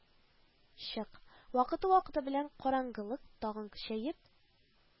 Чык, вакыты-вакыты белән караңгылык тагын көчәеп